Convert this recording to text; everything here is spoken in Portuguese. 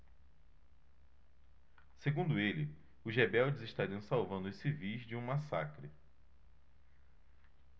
segundo ele os rebeldes estariam salvando os civis de um massacre